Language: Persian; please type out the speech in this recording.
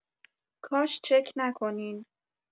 کاش چک نکنین